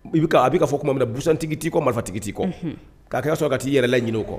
I bɛ a bɛi ka fɔ tuma min na busantigi t'i kɔ marifatigi' kɔ ka kɛ sɔrɔ a ka taa ii yɛlɛla ɲinin o kɔ